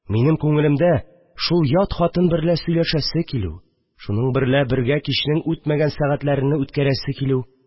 Минем күңелемдә шул ят хатын берлә сөйләшәсе килү, шуның берлә бергә кичнең үтмәгән сәгатьләрене үткәрәсе килү